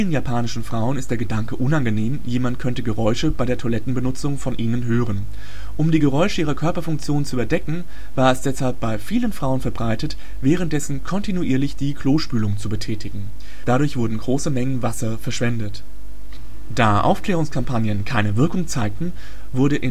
japanischen Frauen ist der Gedanke unangenehm, jemand könnte Geräusche bei der Toilettenbenutzung von ihnen hören. Um die Geräusche ihrer Körperfunktionen zu überdecken, war es deshalb bei vielen Frauen verbreitet, währenddessen kontinuierlich die Klospülung zu betätigen. Dadurch wurden große Mengen Wassers verschwendet. Da Aufklärungskampagnen keine Wirkung zeigten, wurde